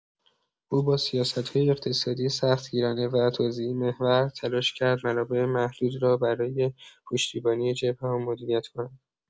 او با سیاست‌های اقتصادی سختگیرانه و توزیع‌محور تلاش کرد منابع محدود را برای پشتیبانی جبهه‌ها مدیریت کند.